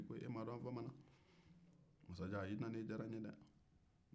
i nanen diyara n ye dɛ masajan